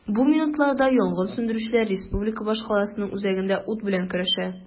Бу минутларда янгын сүндерүчеләр республика башкаласының үзәгендә ут белән көрәшә.